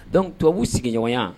Dɔnku tubabuwu sigiɲɔgɔn